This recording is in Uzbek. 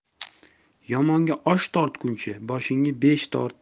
yomonga osh tortguncha boshiga besh tort